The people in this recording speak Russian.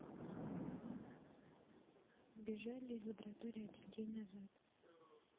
сбежали из лаборатории один день назад